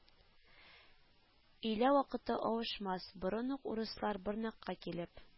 Өйлә вакыты авышмас борын ук урыслар Борнакка килеп